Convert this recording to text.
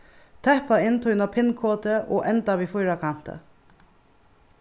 tøppa inn tína pin-kodu og enda við fýrakanti